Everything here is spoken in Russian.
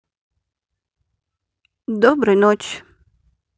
доброй ночи